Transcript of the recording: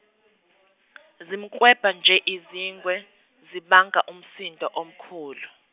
zimklwebha nje izingwe, zibanga umsindo omkhulu.